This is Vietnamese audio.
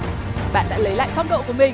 bạn đã lấy lại phong độ của mình